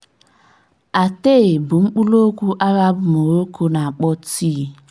Atay bụ mkpụrụokwu Arab Morocco na-akpọ tii.